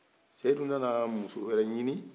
seyidu nana muso wɛrɛ ɲini